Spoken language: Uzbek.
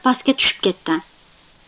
pastga tushib ketdi